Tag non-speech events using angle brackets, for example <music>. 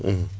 <hesitation> <hesitation>